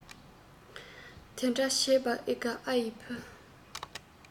དེ འདྲ བྱས པ ཨེ དགའ ཨ ཡི བུ